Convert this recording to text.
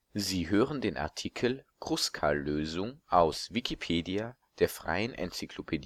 Sie hören den Artikel Kruskal-Lösung, aus Wikipedia, der freien Enzyklopädie